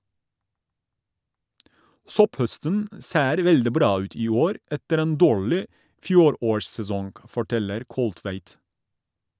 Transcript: - Sopphøsten ser veldig bra ut i år, etter en dårlig fjorårssesong, forteller Kolltveit.